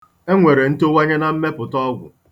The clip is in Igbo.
E nwere ntowanya na mmepụta ọgwụ.